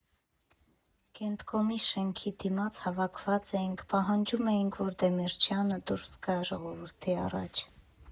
Կենտկոմի շենքի դիմաց հավաքված էինք, պահանջում էինք, որ Դեմիրճյանը դուրս գա ժողովրդի առաջ։